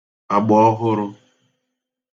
agbàọhụrụ